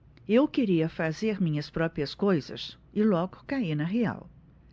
eu queria fazer minhas próprias coisas e logo caí na real